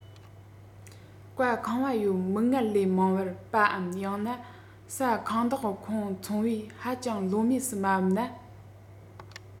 བཀའ ཁང བ ཡོད མི སྔར ལས མང བར པའམ ཡང ན ས ཁང བདག ཁོངས ཚོང པས ཧ ཅང བློ མོས སུ མ བབས ན